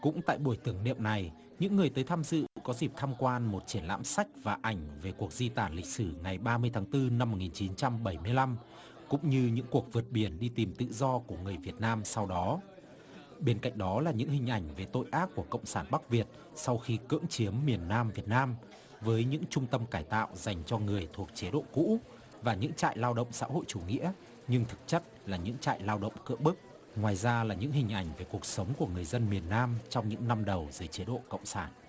cũng tại buổi tưởng niệm này những người tới thăm dự có dịp thăm quan một triển lãm sách và ảnh về cuộc di tản lịch sử ngày ba mươi tháng tư năm một nghìn chín trăm bảy mươi lăm cũng như những cuộc vượt biển đi tìm tự do của người việt nam sau đó bên cạnh đó là những hình ảnh về tội ác của cộng sản bắc việt sau khi cưỡng chiếm miền nam việt nam với những trung tâm cải tạo dành cho người thuộc chế độ cũ và những trại lao động xã hội chủ nghĩa nhưng thực chất là những trại lao động cưỡng bức ngoài ra là những hình ảnh về cuộc sống của người dân miền nam trong những năm đầu dưới chế độ cộng sản